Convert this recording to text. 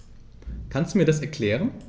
Kannst du mir das erklären?